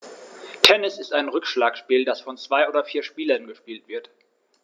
Tennis ist ein Rückschlagspiel, das von zwei oder vier Spielern gespielt wird.